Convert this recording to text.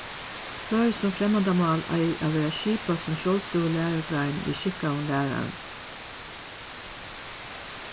føroyskt sum fremmandamál eigur at verða skipað sum sjálvstøðug lærugrein við skikkaðum lærarum